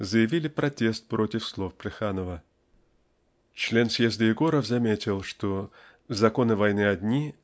заявили протест против слов Плеханова. Член съезда Егоров заметил что "законы войны одни